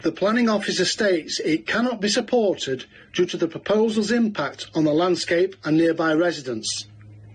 The Planning Officer states it cannot be supported due to the proposal's impact on the landscape and nearby residents.